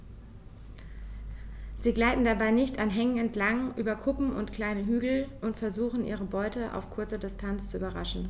Sie gleiten dabei dicht an Hängen entlang, über Kuppen und kleine Hügel und versuchen ihre Beute auf kurze Distanz zu überraschen.